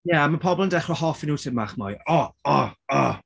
Ie mae pobl yn dechrau hoffi nhw tipyn bach mwy. O o o!